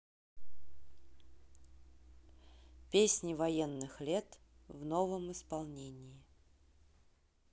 песни военных лет в новом исполнении